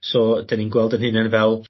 So 'dyn ni'n gweld 'yn hunen fel